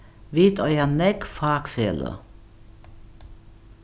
vit eiga nógv fakfeløg